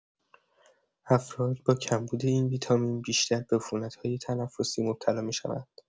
افراد با کمبود این ویتامین بیشتر به عفونت‌های تنفسی مبتلا می‌شوند.